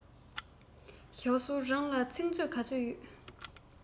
ཞའོ སུའུ རང ལ ཚིག མཛོད ག ཚོད ཡོད